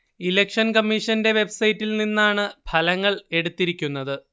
election കമ്മീഷന്റെ web സൈറ്റിൽ നിന്നാണ് ഫലങ്ങൾ എടുത്തിരിക്കുന്നത്